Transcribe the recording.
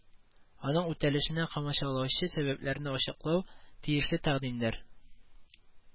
Аның үтәлешенә комачаулаучы сәбәпләрне ачыклау, тиешле тәкъдимнәр